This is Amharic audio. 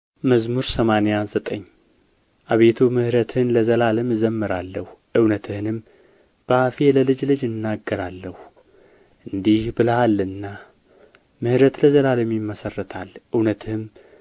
መዝሙር ሰማንያ ዘጠኝ አቤቱ ምሕረትህን ለዘላለም እዘምራለሁ እውነትህንም በአፌ ለልጅ ልጅ እናገራለሁ እንዲህ ብለሃልና ምሕረት ለዘላለም ይመሠረታል እውነትህም